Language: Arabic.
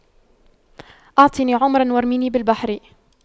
اعطني عمرا وارميني بالبحر